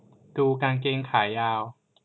ดูกางเกงขายาว